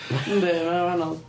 Yndi ma' nhw'n wahanol.